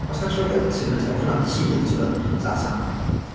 Os dach chi isio'r ultimate ewch 'na ar ddydd Sul, tibod? 'Sa- s'am...